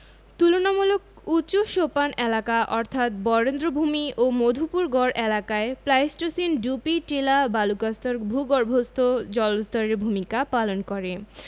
তুলনামূলক উঁচু সোপান এলাকা অর্থাৎ বরেন্দ্রভূমি ও মধুপুরগড় এলাকায় প্লাইসটোসিন ডুপি টিলা বালুকাস্তর ভূগর্ভস্থ জলস্তরের ভূমিকা পালন করে